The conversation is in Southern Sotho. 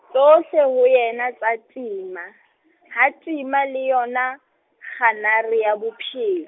tsohle ho yena tsa tima, ha tima le yona, kganare ya bophel-.